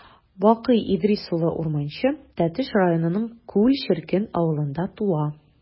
Бакый Идрис улы Урманче Тәтеш районының Күл черкен авылында туа.